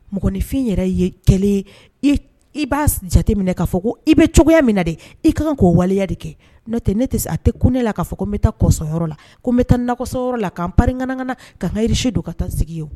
Mɔgɔninfin yɛrɛ ye kɛlen i b'a jate minɛ k'a fɔ ko i bɛ cogoya min na de i ka kan k ko waleya de kɛ no tɛ ne tɛ se a tɛ ne la k'a fɔ ko n bɛ taa kɔsɔyɔrɔ la ko n taa nakɔsoyɔrɔ la ka'an pangkan na karisu don ka taa sigi ye